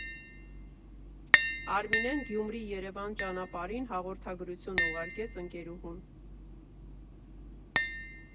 Արմինեն Գյումրի֊Երևան ճանապարհին հաղորդագրություն ուղարկեց ընկերուհուն.